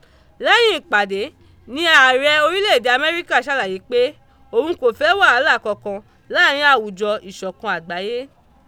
Lẹ́yìn ìpàdé ni ààrẹ orílẹ̀ èdè Amẹ́ríkà ṣàlàyé pé òun kò fẹ́ wàhálà kankan láàrin àwùjọ ìṣọ̀kan àgbáyé.